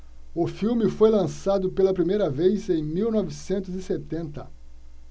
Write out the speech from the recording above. o filme foi lançado pela primeira vez em mil novecentos e setenta